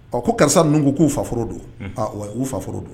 Ɔ ko karisa nunun ko ku fa forow don. Aa oui u fa forow don